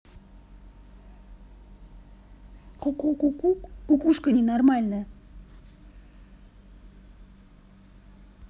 куку кукушка ненормальная